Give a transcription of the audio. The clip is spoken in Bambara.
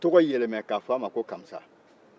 k'a tɔgɔ yɛlɛmɛ k'a fɔ ma ko kamisa